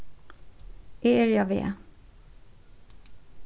eg eri á veg